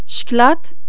شوكلاط